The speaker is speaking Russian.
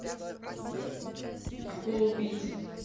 акула убийца